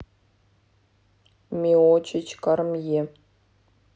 миочич кармье